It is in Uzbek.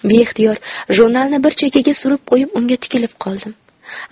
beixtiyor jurnalni bir chekkaga surib qo'yib unga tikilib qoldim